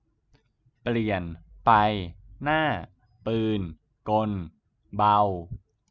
เปลี่ยนไปหน้้าปืนกลเบา